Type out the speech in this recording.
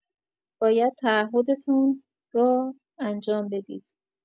باید تعهدتون را انجام بدید